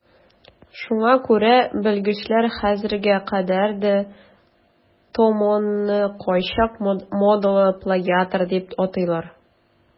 Шуңа күрә белгечләр хәзергә кадәр де Томонны кайчак модалы плагиатор дип атыйлар.